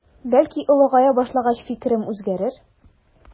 Бәлки олыгая башлагач фикерем үзгәрер.